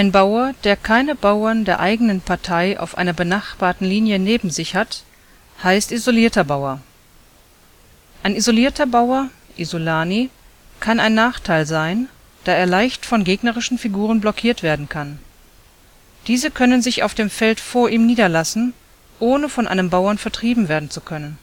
Bauer, der keine Bauern der eigenen Partei auf einer benachbarten Linie neben sich hat, heißt isolierter Bauer. Ein isolierter Bauer (Isolani) kann ein Nachteil sein, da er leicht von gegnerischen Figuren blockiert werden kann: Diese können sich auf dem Feld vor ihm niederlassen, ohne von einem Bauern vertrieben werden zu können